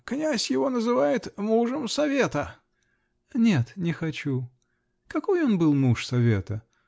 Князь его называет мужем совета. -- Нет, не хочу. Какой он был муж совета!